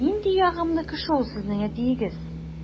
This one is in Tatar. Нинди ягымлы кеше ул сезнең әтиегез!